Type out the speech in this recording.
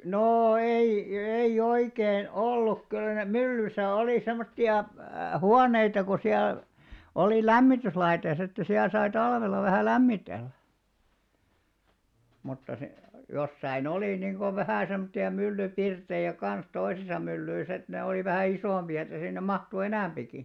no ei ei oikein ollut kyllä ne myllyssä oli semmoisia huoneita kun siellä oli lämmityslaite sitten että siellä sai talvella vähän lämmitellä mutta - jossakin oli niin kuin vähän semmoisia myllypirttejä kanssa toisissa myllyissä että ne oli vähän isompia että sinne mahtui enempikin